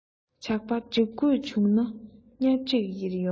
ཆགས པ སྒྲིག དགོས བྱུང ན ཉ སྒྲིག ཡོང